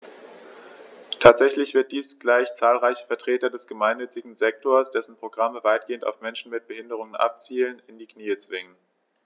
Tatsächlich wird dies gleich zahlreiche Vertreter des gemeinnützigen Sektors - dessen Programme weitgehend auf Menschen mit Behinderung abzielen - in die Knie zwingen.